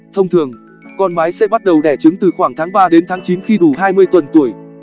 thông thường con mái sẽ bắt đầu đẻ trứng từ khoảng tháng đến tháng khi đủ tuần tuổi